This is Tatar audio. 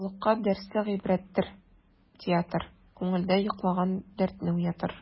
Халыкка дәрсе гыйбрәттер театр, күңелдә йоклаган дәртне уятыр.